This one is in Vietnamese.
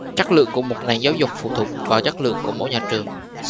chất lượng của một nền giáo dục phụ thuộc vào chất lượng của mỗi nhà trường